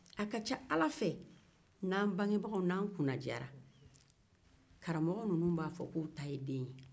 a ka ca ala fɛ n'an bangebagaw ni an kunnajara karamɔgɔ ninnu b'a fɔ ko oluw ta ye den ye